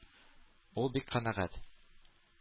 Ул бик канәгать.